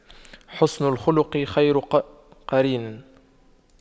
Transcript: حُسْنُ الخلق خير قرين